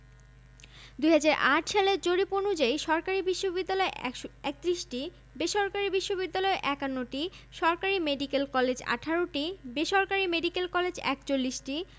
২০০৮ সালের জরিপ অনুযায়ী সরকারি বিশ্ববিদ্যালয় ৩১টি বেসরকারি বিশ্ববিদ্যালয় ৫১টি সরকারি মেডিকেল কলেজ ১৮টি বেসরকারি মেডিকেল কলেজ ৪১টি